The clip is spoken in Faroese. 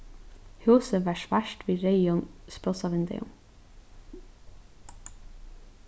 húsið var svart við reyðum sprossavindeygum